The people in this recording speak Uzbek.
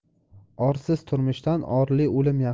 orsiz turmushdan orli o'lim yaxshi